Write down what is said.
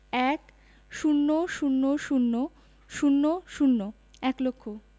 ১০০০০০ এক লক্ষ